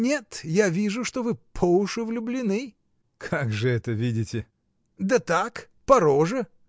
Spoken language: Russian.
— Нет, я вижу, что вы по уши влюблены. — Как же это вы видите? — Да так: по роже.